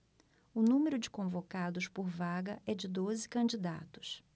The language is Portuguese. o número de convocados por vaga é de doze candidatos